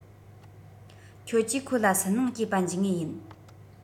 ཁྱོད ཀྱིས ཁོ ལ སུན སྣང སྐྱེས པ འཇུག ངེས ཡིན